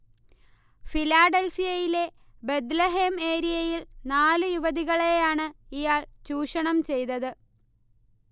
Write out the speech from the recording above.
ഫിലാഡൽഫിയയിലെ ബത്ലഹേം ഏരിയയിൽ നാലു യുവതികളെയാണ് ഇയാൾ ചൂഷണം ചെയ്തത്